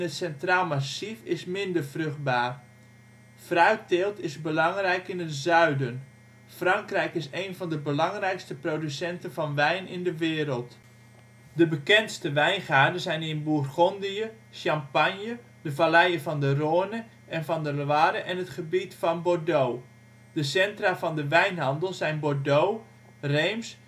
Centraal Massief is minder vruchtbaar. Fruitteelt is belangrijk in het zuiden. Frankrijk is een van de belangrijkste producenten van wijn in de wereld. De bekendste wijngaarden zijn in Bourgondië, Champagne, de valleien van de Rhône en van de Loire en het gebied van Bordeaux. De centra van de wijnhandel zijn Bordeaux, Reims